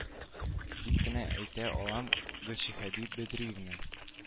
Дип кенә әйтә алам гөлшәһидә бәдриевна